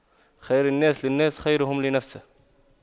خير الناس للناس خيرهم لنفسه